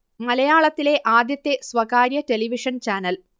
മലയാളത്തിലെ ആദ്യത്തെ സ്വകാര്യ ടെലിവിഷൻ ചാനൽ